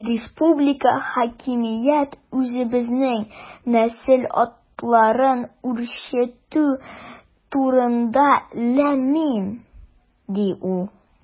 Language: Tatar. Республика хакимияте үзебезнең нәсел атларын үрчетү турында– ләм-мим, ди ул.